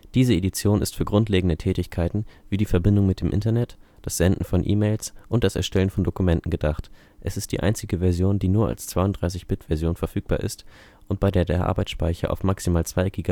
Diese Edition ist für grundlegende Tätigkeiten wie die Verbindung mit dem Internet, das Senden von E-Mails und das Erstellen von Dokumenten gedacht. Es ist die einzige Version, die nur als 32-Bit-Version verfügbar ist und bei der der Arbeitsspeicher auf maximal 2 GB